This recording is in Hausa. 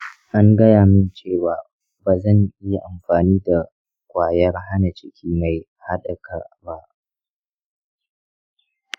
an gaya min cewa ba zan iya amfani da kwayar hana ciki mai haɗaka ba.